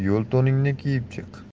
yo'l to'ningni kiyib chiq